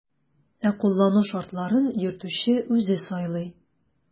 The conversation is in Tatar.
Ә кулланылу шартларын йөртүче үзе сайлый.